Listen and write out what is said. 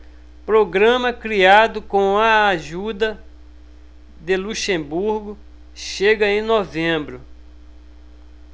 programa criado com a ajuda de luxemburgo chega em novembro